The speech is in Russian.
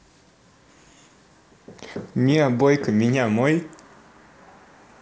mia boyka меня мой